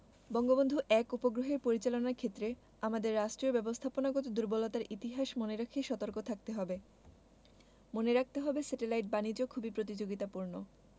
বঙ্গবন্ধু ১ উপগ্রহের পরিচালনার ক্ষেত্রে আমাদের রাষ্ট্রীয় ব্যবস্থাপনাগত দূর্বলতার ইতিহাস মনে রেখে সতর্ক থাকতে হবে মনে রাখতে হবে স্যাটেলাইট বাণিজ্য খুবই প্রতিযোগিতাপূর্ণ